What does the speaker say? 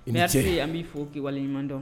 N se yan b'i fɔo' waleɲuman dɔn